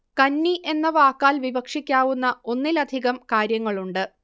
കന്നി എന്ന വാക്കാൽ വിവക്ഷിക്കാവുന്ന ഒന്നിലധികം കാര്യങ്ങളുണ്ട്